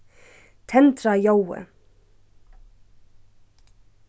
tendra ljóðið